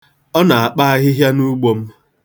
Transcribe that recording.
Ọ na-akpa ahịhịa n'ugbo m.